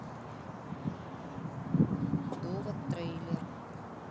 довод трейлер